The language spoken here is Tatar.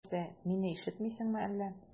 Син нәрсә, мине ишетмисеңме әллә?